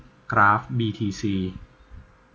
กราฟบีทีซี